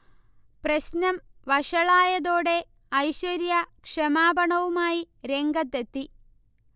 പ്രശ്നം വഷളായതോടെ ഐശ്വര്യ ക്ഷമാപണവുമായി രംഗത്ത് എത്തി